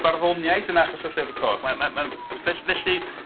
Barddoniaeth yn achos y Llyfr Coch mae... mae... mae... fell- felly...